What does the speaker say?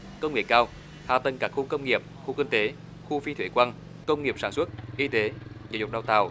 công nghệ cao hạ tầng các khu công nghiệp khu kinh tế khu phi thuế quan công nghiệp sản xuất y tế giáo dục đào tạo